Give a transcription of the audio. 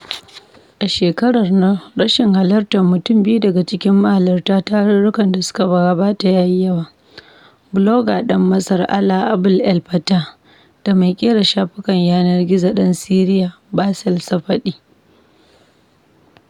A shekarar nan, rashin halartar mutum biyu daga cikin mahalarta tarurrukan da suka gabata ya yi yawa: Blogger ɗan Masar, Alaa Abd El Fattah, da mai ƙera shafukan yanar gizo ɗan Siriya, Bassel Safadi.